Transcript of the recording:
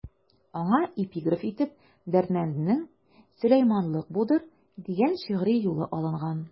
Аңа эпиграф итеп Дәрдмәнднең «Сөләйманлык будыр» дигән шигъри юлы алынган.